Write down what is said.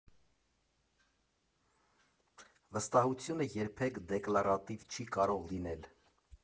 Վստահությունը երբեք դեկլարատիվ չի կարող լինել։